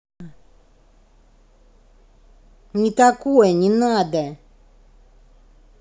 не такое не надо